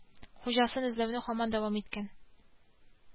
Хуҗасын эзләүне һаман давам иткән